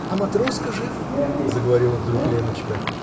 -- А Матроска жив, -- заговорила вдруг Леночка.